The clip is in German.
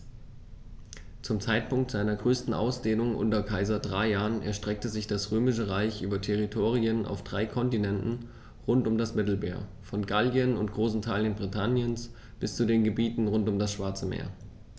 Zum Zeitpunkt seiner größten Ausdehnung unter Kaiser Trajan erstreckte sich das Römische Reich über Territorien auf drei Kontinenten rund um das Mittelmeer: Von Gallien und großen Teilen Britanniens bis zu den Gebieten rund um das Schwarze Meer.